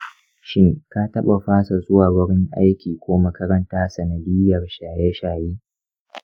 shin ka taɓa fasa zuwa wurin aiki ko makaranta sanadiyyar shaye-shaye?